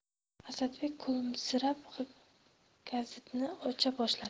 asadbek kulimsirab gazitni ocha boshladi